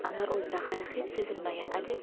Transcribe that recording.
anvar o'zida hali hech sezilmagan ajib bir